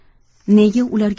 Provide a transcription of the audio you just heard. nega ularga